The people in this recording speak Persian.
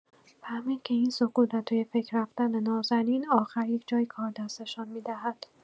فهمید که این سکوت و توی فکر رفتن نازنین، آخر یک‌جایی کار دستشان می‌دهد.